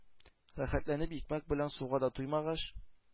Рәхәтләнеп икмәк белән суга да туймагач,